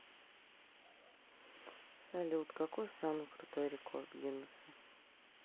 салют какой самый крутой рекорд гиннесса